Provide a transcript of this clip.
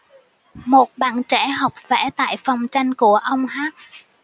một bạn trẻ học vẽ tại phòng tranh của ông h